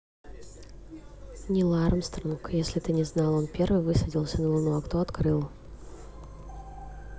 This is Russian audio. нил армстронг если ты не знала он первый высадился на луну а кто открыл